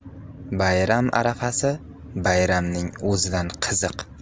bayram arafasi bayramning o'zidan qiziq